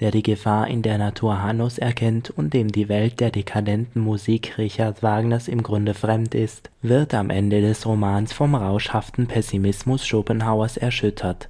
der die Gefahr in der Natur Hannos erkennt und dem die Welt der dekadenten Musik Richard Wagners im Grunde fremd ist, wird am Ende des Romans vom rauschhaften Pessimismus Schopenhauers erschüttert